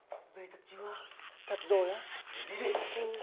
về thật chưa thật rồi á đi đi